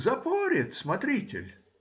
— запорет смотритель.